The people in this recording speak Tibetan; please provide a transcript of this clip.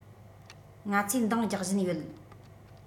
ང ཚོས འདང རྒྱག བཞིན ཡོད